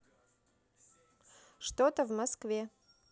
что то в москве